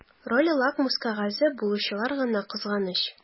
Роле лакмус кәгазе булучылар гына кызганыч.